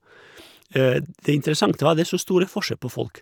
Det interessant var det er så store forskjell på folk.